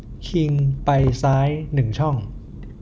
คิงไปซ้ายหนึ่งช่อง